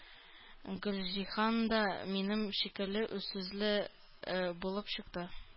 Гөлҗиһан да минем шикелле үзсүзле булып чыкты.